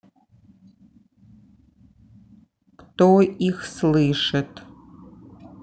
кто их слышит